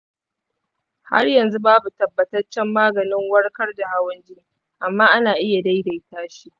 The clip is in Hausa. har yanzu babu tabbataccen maganin warkar da hawan jini, amma ana iya daidaita shi.